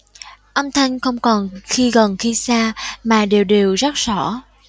âm thanh không còn khi gần khi xa mà đều đều rất rõ